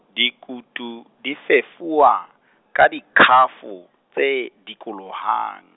dikutu, di fefuwa ka dikhafo , tse, dikolohang.